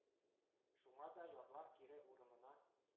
Шуңа да ярлар кире урынына